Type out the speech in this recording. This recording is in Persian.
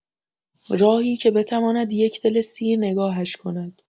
راهی که بتواند یک دل سیر نگاهش کند.